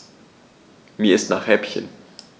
Mir ist nach Häppchen.